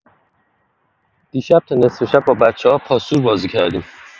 دیشب تا نصف شب با بچه‌ها پاسور بازی کردیم.